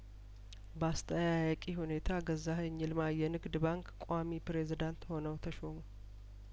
በአስጠ ያያቂ ሁኔታ ገዛ ኸኝ ይልማ የንግድ ባንክ ቋሚ ፕሬዚዳንት ሆነው ተሾሙ